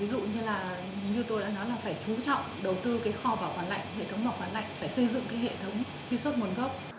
ví dụ như là như tôi đã nói là phải chú trọng đầu tư cái kho bảo quản lạnh hệ thống lọc khá lạnh phải xây dựng hệ thống truy xuất nguồn gốc